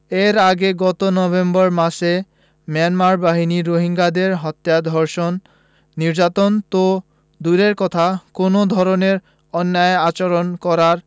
এর আগে গত নভেম্বর মাসে মিয়ানমার বাহিনী রোহিঙ্গাদের হত্যা ধর্ষণ নির্যাতন তো দূরের কথা কোনো ধরনের অন্যায় আচরণ করার